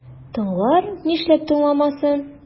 Тыңлар, нишләп тыңламасын?